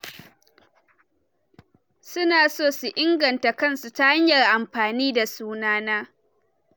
“Su na so su inganta kansu ta hanyar amfani da suna na.